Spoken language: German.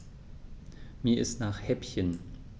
Mir ist nach Häppchen.